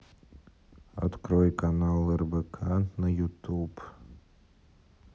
открой канал рбк на ютюб